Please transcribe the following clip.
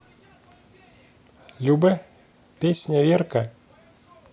любэ песня верка